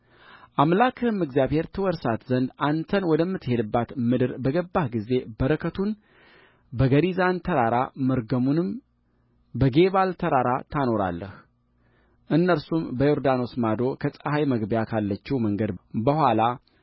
አምላክህም እግዚአብሔር ትወርሳት ዘንድ አንተን ወደምትሄድባት ምድር ባገባህ ጊዜ በረከቱን በገሪዛን ተራራ መርገሙንም በጌባል ተራራ ታኖራለህእነርሱም በዮርዳኖስ ማዶ ከፀሐይ መግቢያ ካለችው መንገድ በኋላ